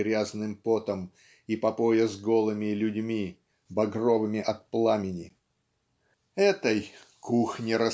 грязным потом и по пояс голыми людьми багровыми от пламени" этой "кухни